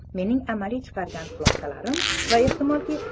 mening amaliy chiqargan xulosalarim va ehtimolki